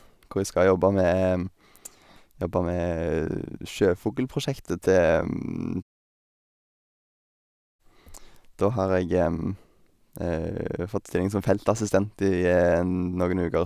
Hvor jeg skal jobbe med jobbe med sjøfugl-prosjektet til Da har jeg fått stilling som feltassistent i noen uker.